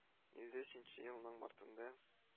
Илле өченче елның мартында